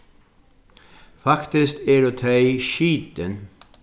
faktiskt eru tey skitin